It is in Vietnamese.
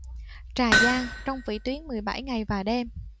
trà giang trong vĩ tuyến mười bảy ngày và đêm